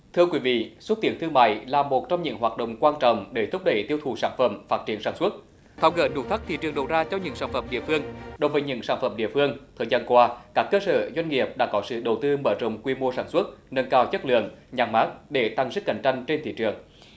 thưa quý vị xúc tiến thương mại là một trong những hoạt động quan trọng để thúc đẩy tiêu thụ sản phẩm phát triển sản xuất tháo gỡ nút thắt thị trường đầu ra cho những sản phẩm địa phương đối với những sản phẩm địa phương thời gian qua các cơ sở doanh nghiệp đã có sự đầu tư mở rộng quy mô sản xuất nâng cao chất lượng nhãn mác để tăng sức cạnh tranh trên thị trường